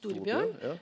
Store bjørn ja.